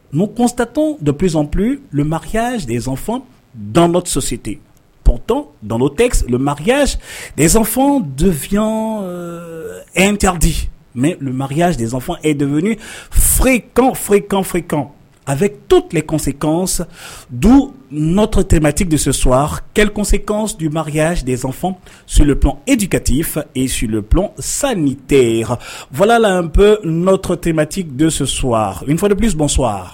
N kɔn7t dɔ ppsizp lmaya dezɔn dan dɔ sɔsite pt dɔn tɛ lmaya dez donsoy etdi mɛ lya deɔn e de foyikan foyisikanfisikan a bɛ to tilese du nɔtɔ temati de swa kɛlɛsemaya deɔn soleton e de kati fa e sulept sa ni tɛ vla bɛ nɔtɔ temati donso swa min fɔsɔnswa